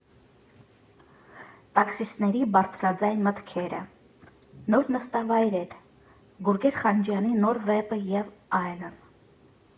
Տաքսիստների բարձրաձայն մտքերը, նոր նստավայրեր, Գուրգեն Խանջյանի նոր վեպը և այլն։